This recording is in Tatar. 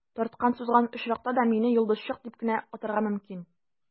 Тарткан-сузган очракта да, мине «йолдызчык» дип кенә атарга мөмкин.